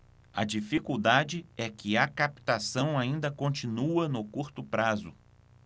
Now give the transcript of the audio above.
a dificuldade é que a captação ainda continua no curto prazo